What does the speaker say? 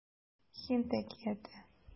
Һинд әкияте